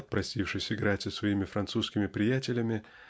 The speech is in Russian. отпросившись играть со своими французскими приятелями